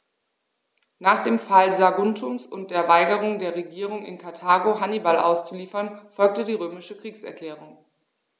Nach dem Fall Saguntums und der Weigerung der Regierung in Karthago, Hannibal auszuliefern, folgte die römische Kriegserklärung.